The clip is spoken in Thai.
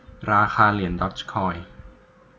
ราคาเหรียญดอร์จคอย